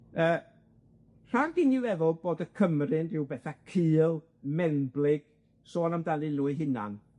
yy rhag i ni feddwl bod y Cymry'n rhyw betha cul, mewnblyg, sôn amdanyn nw eu hunan,